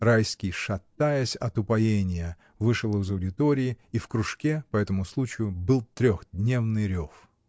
Райский, шатаясь от упоения, вышел из аудитории, и в кружке, по этому случаю, был трехдневный рев.